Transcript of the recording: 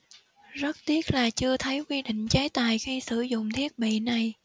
rất tiếc là chưa thấy quy định chế tài khi sử dụng thiết bị này